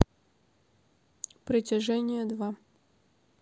притяжение два